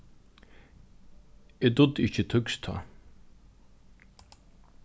eg dugdi ikki týskt tá